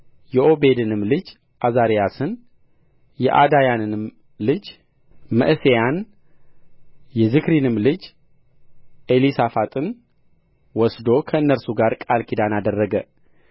የዖቤድንም ልጅ ዓዛርያስን የዓዳያንም ልጅ መዕሤያን የዝክሪንም ልጅ ኤሊሳፋጥን ወስዶ ከእነርሱ ጋር ቃል ኪዳን አደረገ